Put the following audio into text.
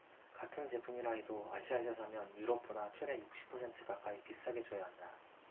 같은 제품이라 해도 아시아에서 사면 유럽보다 최대 육십 퍼센트 가까이 비싸게 줘야 한다